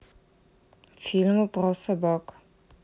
фильмы про собак